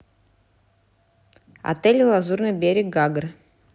отель лазурный берег гагры